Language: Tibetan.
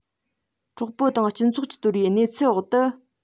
གྲོགས པོ དང སྤྱི ཚོགས ཀྱིས དོར བའི གནས ཚུལ འོག ཏུ